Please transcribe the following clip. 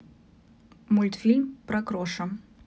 мультфильм про кроша